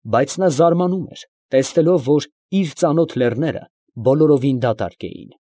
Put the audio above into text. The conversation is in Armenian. Բայց նա զարմանում էր, տեսնելով, որ իր ծանոթ լեռները բոլորովին դատարկ էին։